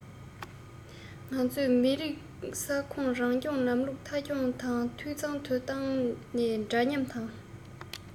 ང ཚོས མི རིགས ས ཁོངས རང སྐྱོང ལམ ལུགས མཐའ འཁྱོངས དང འཐུས ཚང དུ བཏང ནས འདྲ མཉམ དང